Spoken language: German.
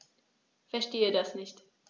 Verstehe das nicht.